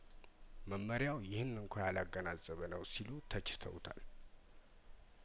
መመሪያው ይህን እንኳን ያላገናዘበነው ሲሉ ተችተውታል